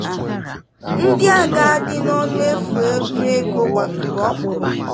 Ndị a ga adị na-efu ọnụ ego gbatụrụ ọkpụrụkpụ.